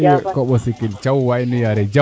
i Kombasikim Thiaw waay nu yaare jam